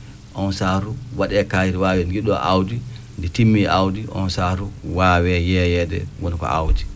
oon saatu waɗee kaayru waawee wiyeede ndi ɗo aawdi ndi timmii aawdi oon saaru waawee yeeyeede wona ko aawdi